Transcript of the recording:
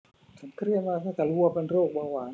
ฉันเครียดมากตั้งแต่รู้ว่าเป็นโรคเบาหวาน